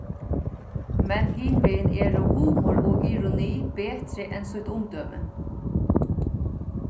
men hinvegin eru humor og ironi betri enn sítt umdømi